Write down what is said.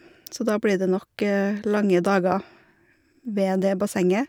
Så da blir det nok lange dager ved det bassenget.